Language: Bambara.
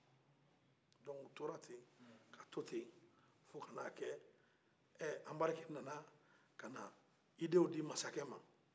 ɔ tora te ka tote fɔ ka na kɛ ɛ anbarike nana ka na hakilila di masakɛ ma